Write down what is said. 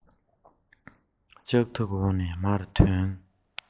ལྕག ཐབས འོག ནས མར ཐོན